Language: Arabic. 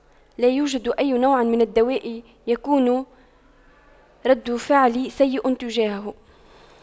لا يوجد أي نوع من الدواء يكون رد فعلي سيء تجاهه